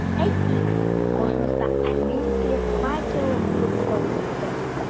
Әйтик, космоста Олимпия факелы булып кайтты.